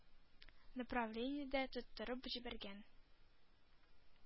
Направление дә тоттырып җибәргән.